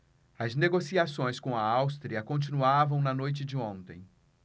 as negociações com a áustria continuavam na noite de ontem